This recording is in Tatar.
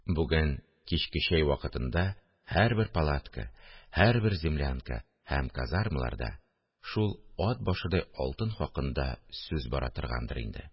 Бүген кичке чәй вакытында һәрбер палатка, һәрбер землянка һәм казармаларда шул «ат башыдай алтын» хакында сүз бара торгандыр инде